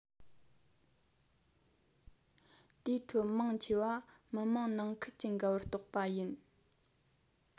དེའི ཁྲོད མང ཆེ བ མི དམངས ནང ཁུལ གྱི འགལ བར གཏོགས པ ཡིན